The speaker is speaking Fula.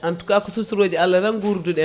en tout ko sutoroji Allah tan gurduɗen